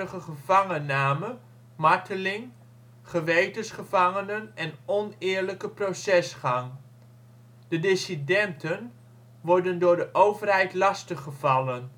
gevangenname, marteling, gewetensgevangenen en oneerlijke procesgang. Dissidenten worden door de overheid lastiggevallen